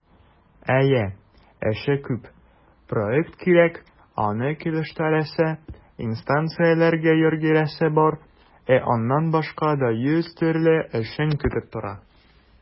Әйе, эше күп - проект кирәк, аны килештерәсе, инстанцияләргә йөгерәсе бар, ә аннан башка да йөз төрле эшең көтеп тора.